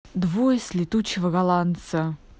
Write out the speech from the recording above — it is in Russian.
двое с летучего голландца